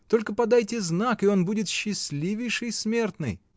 Только подайте знак — и он будет счастливейший смертный!